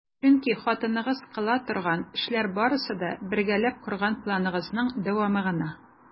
Чөнки хатыныгыз кыла торган эшләр барысы да - бергәләп корган планыгызның дәвамы гына!